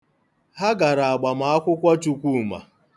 Ha gara agbamakwụkwọ Chukwuma.